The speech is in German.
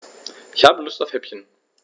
Ich habe Lust auf Häppchen.